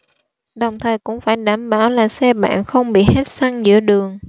đồng thời cũng phải đảm bảo là xe bạn không bị hết xăng giữa đường